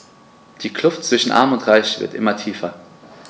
Die Kluft zwischen Arm und Reich wird immer tiefer.